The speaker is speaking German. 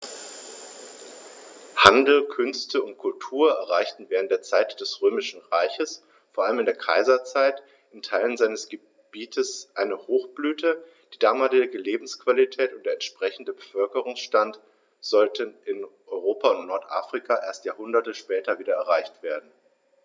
Handel, Künste und Kultur erreichten während der Zeit des Römischen Reiches, vor allem in der Kaiserzeit, in Teilen seines Gebietes eine Hochblüte, die damalige Lebensqualität und der entsprechende Bevölkerungsstand sollten in Europa und Nordafrika erst Jahrhunderte später wieder erreicht werden.